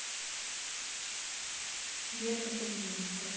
верка сердючка